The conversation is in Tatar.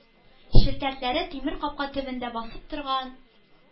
Челтәрле тимер капка төбендә басып торган